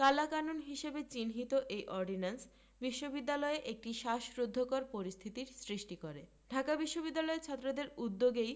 কালাকানুন হিসেবে চিহ্নিত এ অর্ডিন্যান্স বিশ্ববিদ্যালয়ে একটি শ্বাসরুদ্ধকর পরিস্থিতির সৃষ্টি করে ঢাকা বিশ্ববিদ্যালয়ে ছাত্রদের উদ্যোগেই